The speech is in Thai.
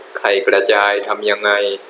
ไข่กระจายทำยังไง